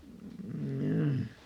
jaa